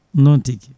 noon tigui